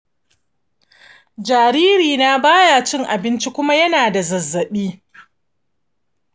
jaririna baya cin abinci kuma yana da zazzabi